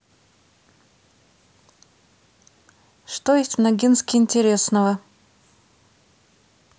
что есть в ногинске интересного